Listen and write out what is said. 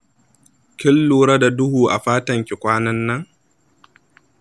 kin lura da duhu a fatanki kwanan nan?